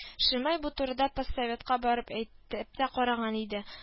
Шимай бу турыда поссоветка барып әйтеп тә караган иде